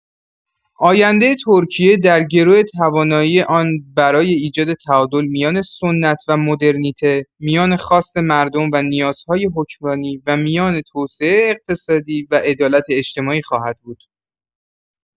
آینده ترکیه در گرو توانایی آن برای ایجاد تعادل میان سنت و مدرنیته، میان خواست مردم و نیازهای حکمرانی و میان توسعه اقتصادی و عدالت اجتماعی خواهد بود.